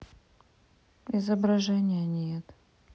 изображения нет